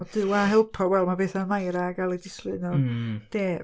Duw a helpo, wel, ma' Bethan Mair ac Aled Islwyn o'r De.